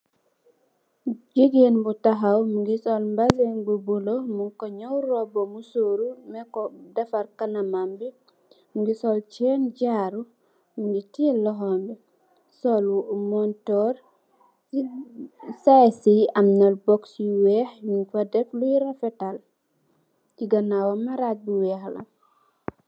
Jegain bu tahaw muge sol mazin bu bulo mugku nyaw roubu musuru mecup defarr kanamam be muge sol chein jaaru muge teye lohom be sol munturr se seze ye amna bux yu weex nugfa def loy refetal che ganawam marage bu weex la.